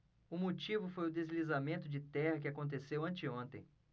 o motivo foi o deslizamento de terra que aconteceu anteontem